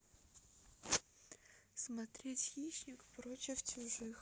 смотреть хищник против чужих